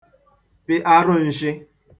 pị arụnshị̄